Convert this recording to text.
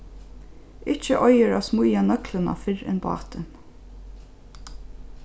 ikki eigur at smíða nøgluna fyrr enn bátin